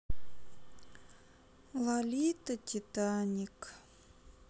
лолита титаник